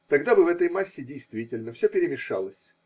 Тогда бы в этой массе действительно все перемешалось